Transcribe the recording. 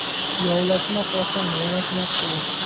yovlashmoq oson yarashmoq qiyin